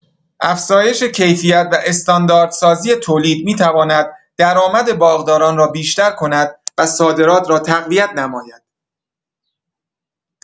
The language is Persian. افزایش کیفیت و استانداردسازی تولید می‌تواند درآمد باغداران را بیشتر کند و صادرات را تقویت نماید.